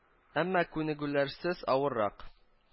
Әмма күнегүләрсез авыррак